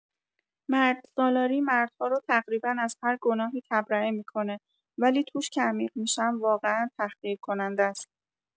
مردسالاری مردها رو تقریبا از هر گناهی تبرئه می‌کنه ولی توش که عمیق می‌شم واقعا تحقیرکننده ست.